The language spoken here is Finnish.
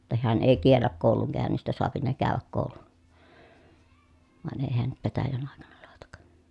jotta hän ei kiellä koulun käynnistä saa ne käydä koulun vain ei hän nyt petäjän aikana laita